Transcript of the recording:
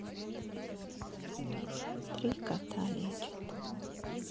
три кота лечат